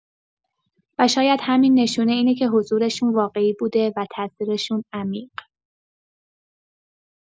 و شاید همین نشونه اینه که حضورشون واقعی بوده و تاثیرشون عمیق.